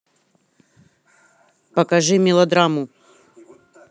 покажи мелодраму